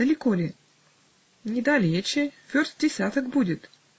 Далеко ли?" -- "Недалече; верст десяток будет".